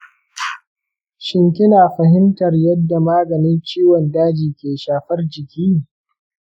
shin kina fahimtar yadda maganin ciwon daji ke shafar jiki?